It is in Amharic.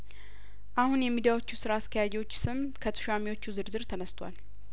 አሁን የሚዲያዎቹ ስራ አስኪያጆች ስም ከተሿሚዎቹ ዝርዝር ተነስቷል